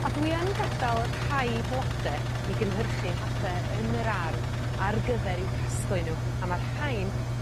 A dwi yn gadal rhai blode i gynhyrchu hade yn yr ardd ar gyfer i'w casglu n'w a ma' rhain